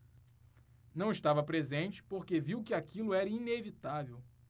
não estava presente porque viu que aquilo era inevitável